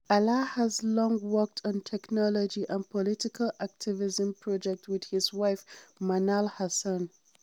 Alaa has long worked on technology and political activism projects with his wife, Manal Hassan.